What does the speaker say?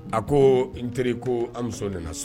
A ko n teri ko an muso nana su